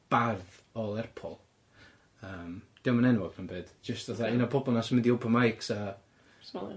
bardd o Lerpwl yym, 'di o'm yn enwog na'm byd, jyst fatha un o'r pobol 'na sy'n mynd i open mics a... Smalio.